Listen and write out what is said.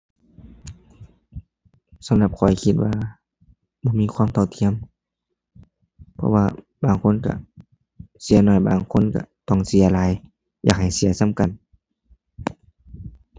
สำหรับข้อยคิดว่าบ่มีความเท่าเทียม เพราะว่าบางคนก็เสียน้อย บางคนก็ต้องเสียหลาย อยากให้เสียส่ำกัน